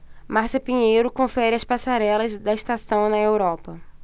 márcia pinheiro confere as passarelas da estação na europa